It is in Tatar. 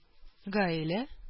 Гаилә